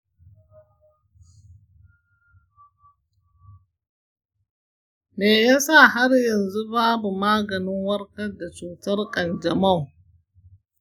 me ya sa har yanzu babu maganin warkar da cutar kanjamau?